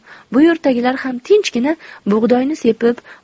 bu yurtdagilar ham tinchgina bug'doyni sepib